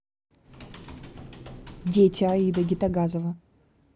дети аида гетогазова